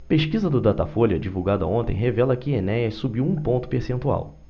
pesquisa do datafolha divulgada ontem revela que enéas subiu um ponto percentual